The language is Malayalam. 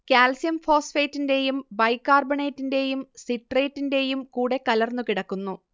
കാൽസ്യം ഫോസ്ഫേറ്റിന്റേയും ബൈകാർബണേറ്റിന്റേയും സിട്രേറ്റിന്റേയും കൂടെക്കലർന്ന് കിടക്കുന്നു